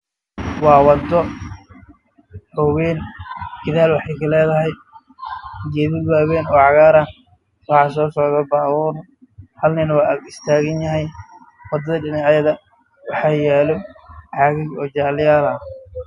Waa gaari hoomay geed Cagaar ayaa ku yaalla